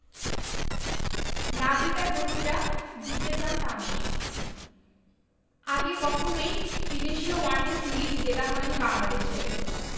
না জেতা ট্রফিটা জিততে চান তামিম আগে কখনোই ত্রিদেশীয় ওয়ানডে সিরিজ জেতা হয়নি বাংলাদেশের